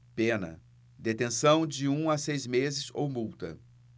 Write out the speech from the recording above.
pena detenção de um a seis meses ou multa